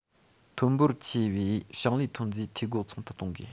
ཐོན འབོར ཆེ བའི ཞིང ལས ཐོན རྫས འཐུས སྒོ ཚང དུ གཏོང དགོས